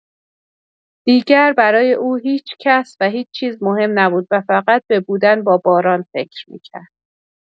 دیگر برای او هیچ‌کس و هیچ‌چیز مهم نبود و فقط به بودن با باران فکر می‌کرد.